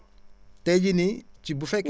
tey jii nii ci bu fekkee